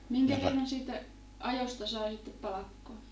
minkä verran siitä ajosta sai sitten palkkaa